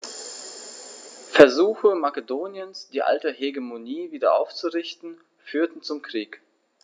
Versuche Makedoniens, die alte Hegemonie wieder aufzurichten, führten zum Krieg.